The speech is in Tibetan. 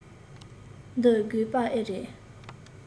འདི དགོས པ ཨེ རེད